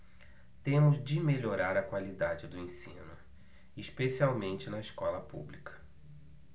temos de melhorar a qualidade do ensino especialmente na escola pública